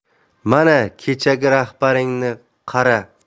mana kechagi rahbaringni qara